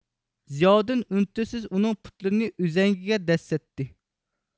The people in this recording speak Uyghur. زىياۋۇدۇن ئۈن تىنسىز ئۇنىڭ پۇتلىرىنى ئۈزەڭگىگە دەسسەتتى